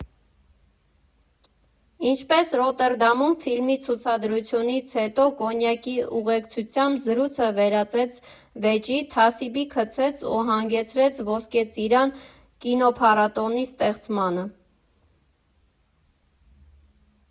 Ինչպես Ռոտերդամում ֆիլմի ցուցադրությունից հետո կոնյակի ուղեկցությամբ զրույցը վերաճեց վեճի, թասիբի գցեց ու հանգեցրեց Ոսկե ծիրան կինոփառատոնի ստեղծմանը.